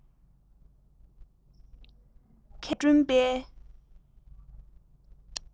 མཁས པས བསྐྲུན པའི